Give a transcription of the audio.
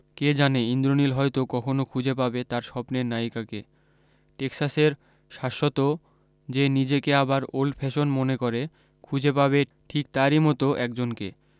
কে জানে ইন্দ্রনীল হয়ত কখনো খুঁজে পাবে তার স্বপ্নের নায়িকাকে টেক্সাসের শাশ্বত যে নিজেকে আবার ওল্ড ফ্যাশন মনে করে খুঁজে পাবে ঠিক তারি মত একজনকে